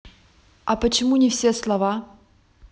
а почему не все слова